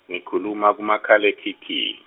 ngikhuluma kumakhalekhikhi-.